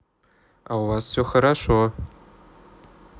а у вас хорошо все